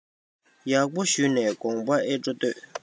ཡག པོ ཞུས ནས དགོངས པ ཨེ སྤྲོ ལྟོས